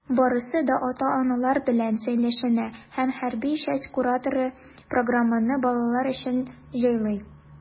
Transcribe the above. Барысы да ата-аналар белән сөйләшенә, һәм хәрби часть кураторы программаны балалар өчен җайлый.